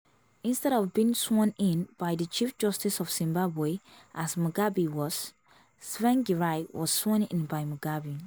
Instead of being sworn in by the Chief Justice of Zimbabwe as Mugabe was, Tsvangirai was sworn in by Mugabe.